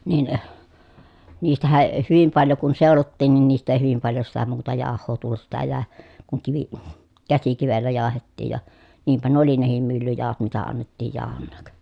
niin niistähän ei hyvin paljon kun seulottiin niin niistä ei hyvin paljon sitä muuta jauhoa tullut sitä jäi kun - käsikivellä jauhettiin ja niinpä nuo oli nekin myllyjauhot mitä annettiin jauhonakin